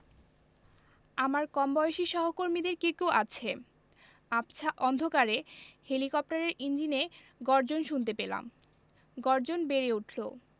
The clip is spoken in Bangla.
আমার কমবয়সী সহকর্মীদের কেউ কেউ আছে আবছা অন্ধকারে হেলিকপ্টারের ইঞ্জিনের গর্জন শুনতে পেলাম গর্জন বেড়ে উঠলো